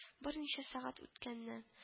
Берничә сәгать үткәннән